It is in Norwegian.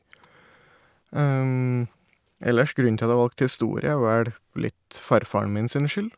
Ellers, grunnen til at jeg valgte historie, er vel litt farfaren min sin skyld.